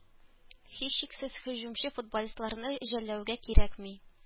Һичшиксез һөҗүмче футболистларны жәллэүгә кирәкми.